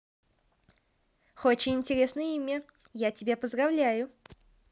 очень интересное имя я тебя поздравляю